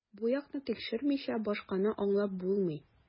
Бу якны тикшермичә, башканы аңлап булмый.